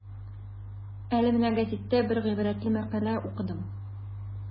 Әле менә гәзиттә бер гыйбрәтле мәкалә укыдым.